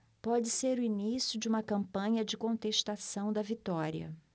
pode ser o início de uma campanha de contestação da vitória